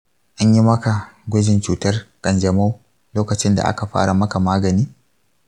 an yi maka gwajin cutar ƙanjamau lokacin da aka fara maka magani?